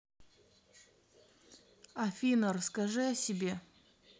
афина расскажи о себе